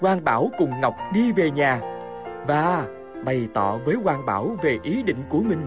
quang bảo cùng ngọc đi về nhà và bày tỏ với quang bảo về ý định của mình